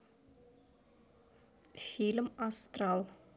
фильм астрал